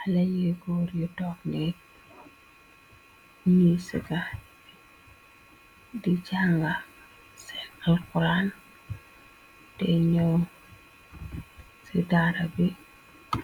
Alaye goor yu tognde ñi sika di jànga seen alxuraan te ñoo ci daara bi